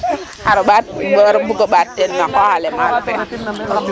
xar o ɓaat bug o ɓaat teen na qooq ale maalo fe.